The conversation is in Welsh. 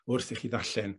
wrth i chi ddarllen